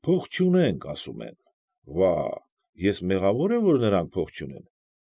Փող չունենք, ասում են, վա՜, ես մեղավո՞ր եմ, որ նրանք փող չունեն։